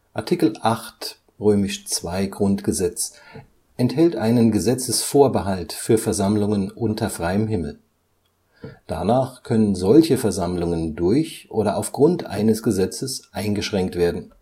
Art. 8 II GG enthält einen Gesetzesvorbehalt für Versammlungen unter freiem Himmel. Danach können solche Versammlungen durch oder aufgrund eines Gesetzes eingeschränkt werden